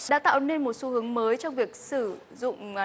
đã tạo nên một xu hướng mới trong việc sử dụng